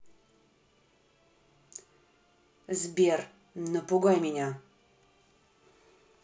сбер напугай меня